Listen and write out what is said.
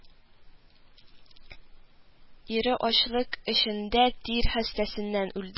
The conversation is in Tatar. Ире ачлык эчендә тир хәстәсеннән үлде